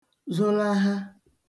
zolaha